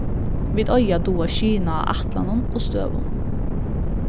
vit eiga at duga at skyna á ætlanum og støðum